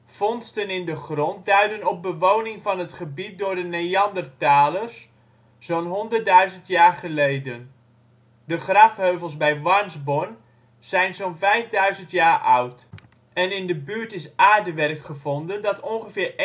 Vondsten in de grond duiden op bewoning van het gebied door de Neanderthaler, zo 'n 100.000 jaar geleden. De grafheuvels bij Warnsborn zijn zo 'n 5000 jaar oud, en in de buurt is aardewerk gevonden dat ongeveer